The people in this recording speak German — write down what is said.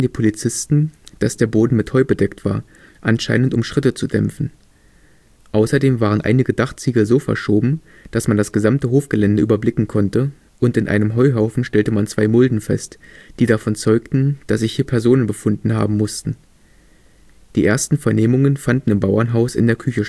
Polizisten, dass der Boden mit Heu bedeckt war, anscheinend um Schritte zu dämpfen. Außerdem waren einige Dachziegel so verschoben, dass man das gesamte Hofgelände überblicken konnte, und in einem Heuhaufen stellte man zwei Mulden fest, die davon zeugten, dass sich hier Personen befunden haben mussten. Die ersten Vernehmungen fanden im Bauernhaus in der Küche statt